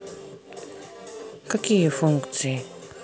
какие функции